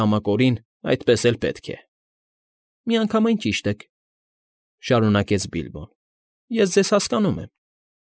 Կամակորին այդպես էլ պետք է։ ֊ Միանգամայն ճիշտ եք,֊ շարունակեց Բիլբոն։֊ Ես ձեզ հասկանում եմ։